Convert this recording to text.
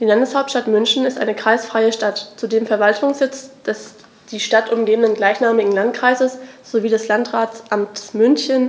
Die Landeshauptstadt München ist eine kreisfreie Stadt, zudem Verwaltungssitz des die Stadt umgebenden gleichnamigen Landkreises sowie des Landratsamtes München,